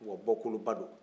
wa bɔkolo ba do